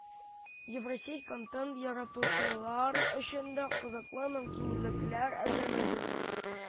“евросеть” контент яратучылар өчен дә кызыклы мөмкинлекләр әзерләде